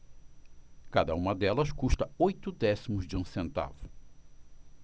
cada uma delas custa oito décimos de um centavo